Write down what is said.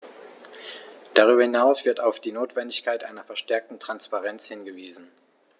Darüber hinaus wird auf die Notwendigkeit einer verstärkten Transparenz hingewiesen.